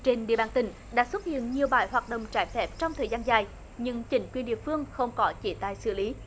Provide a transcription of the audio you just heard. trên địa bàn tỉnh đã xuất hiện nhiều bãi hoạt động trái phép trong thời gian dài nhưng chính quyền địa phương không có chế tài xử lý